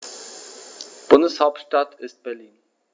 Bundeshauptstadt ist Berlin.